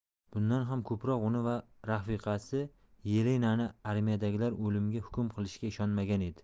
bundan ham ko'proq uni va rafiqasi yelenani armiyadagilar o'limga hukm qilishiga ishonmagan edi